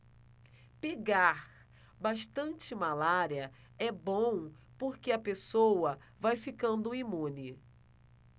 pegar bastante malária é bom porque a pessoa vai ficando imune